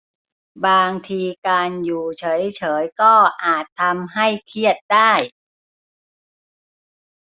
บางทีการอยู่เฉยเฉยก็อาจทำให้เครียดได้